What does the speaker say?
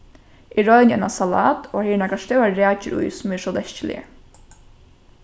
eg royni eina salat og har eru stórar rækjur í sum eru so leskiligar